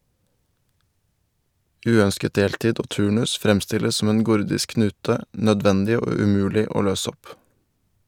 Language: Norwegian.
Uønsket deltid og turnus fremstilles som en gordisk knute, nødvendig og umulig å løse opp.